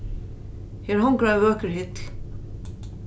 her hongur ein vøkur hill